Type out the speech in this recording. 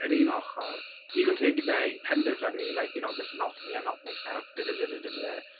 Yr un ochr digon teg i fe i penderfynu like you know "This is not for me I'm not myself, da da da da."